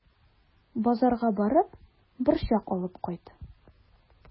Базарга барып, борчак алып кайт.